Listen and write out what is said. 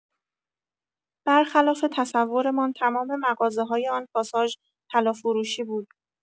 برخلاف تصورمان تمام مغازه‌های آن پاساژ طلا فروشی بود!